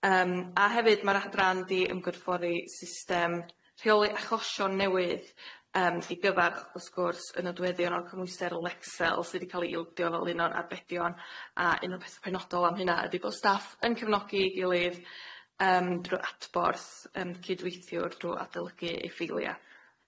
Yym a hefyd ma'r adran di ymgorffori system rheoli achosion newydd yym i gyfarch wrth gwrs yn y diweddion o'r cymhwyster Lexel sy' di ca'l ei ildio fel un o'r arbedion a un o'r pethe penodol am hynna ydi bo' staff yn cefnogi'i gilydd yym drw'r adborth yym cydweithiwr drw' adolygu effeilia